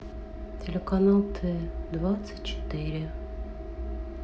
телеканал т двадцать четыре